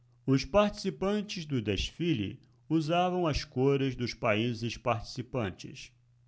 os participantes do desfile usavam as cores dos países participantes